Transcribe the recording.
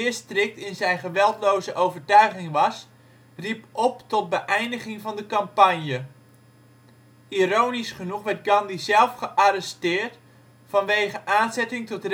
strikt in zijn geweldloze overtuiging was, riep op tot beëindiging van de campagne. Ironisch genoeg werd Gandhi zelf gearresteerd, vanwege aanzetting tot